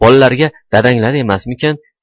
bolalarga dadanglar emasmikan